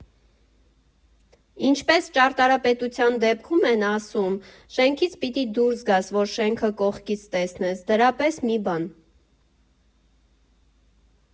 Ինչպես ճարտարապետության դեպքում են ասում, շենքից պիտի դուրս գաս, որ շենքը կողքից տեսնես, դրա պես մի բան։